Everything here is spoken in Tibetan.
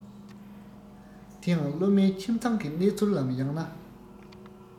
དེ ཡང སློབ མའི ཁྱིམ ཚང གི གནས ཚུལ ལམ ཡང ན